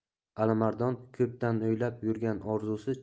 alimardon ko'pdan o'ylab yurgan orzusi